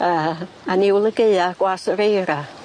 Yy a niwl y gaea gwas yr eira.